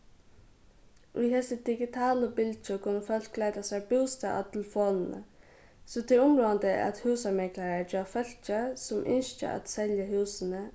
í hesi digitalu bylgju kunnu fólk leita sær bústað á telefonini so tað er umráðandi at húsameklarar geva fólki sum ynskja at selja húsini